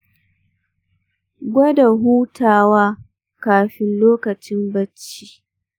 gwada hutawa kafin lokacin-bacci